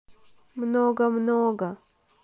много много